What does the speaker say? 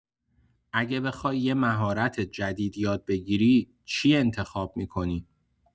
اگه بخوای یه مهارت جدید یاد بگیری، چی انتخاب می‌کنی؟